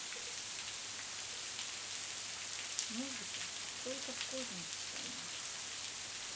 музыка только в кожаных штанах